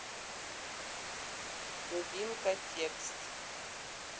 любимка текст